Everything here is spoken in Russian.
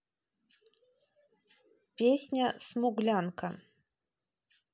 песня смуглянка